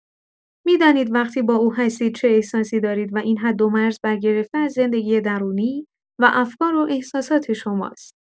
می‌دانید وقتی با او هستید چه احساسی دارید و این حدومرز برگرفته از زندگی درونی و افکار و احساسات شماست.